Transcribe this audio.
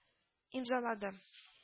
Имзалады